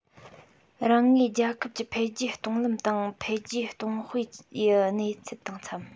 རང ངོས རྒྱལ ཁབ ཀྱི འཕེལ རྒྱས གཏོང ལམ དང འཕེལ རྒྱས གཏོང དཔེ ཡི གནས ཚུལ དང འཚམ